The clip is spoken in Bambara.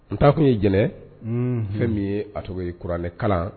N' tun ye jɛnɛ fɛn min ye atto kuranɛ kalan